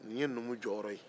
nin ye numu jɔyɔrɔ ye